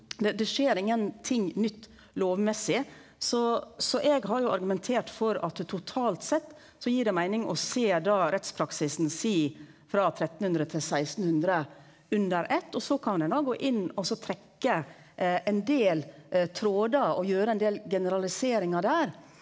det det skjer ingenting nytt lovmessig så så eg har jo argumentert for at det totalt sett så gir det meining å sjå da rettspraksisen sei frå 1300 til 1600 under eitt og så kan ein da gå inn og så trekke ein del trådar og gjere ein del generaliseringar der.